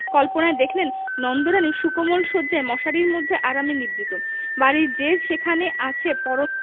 কল্পনায় দেখলেন নন্দরানী সুকোমল শয্যায় মশারির মধ্যে আরামে নিদ্রিত বাড়ির যে সেখানে আছে পরম